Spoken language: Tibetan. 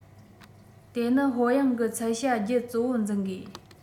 དེ ནི ཧོལ ཡང གི ཚལ བྱ རྒྱུ གཙོ བོར འཛིན དགོས